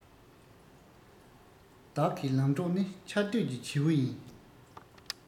བདག གི ལམ གྲོགས ནི ཆར སྡོད ཀྱི བྱེའུ ཡིན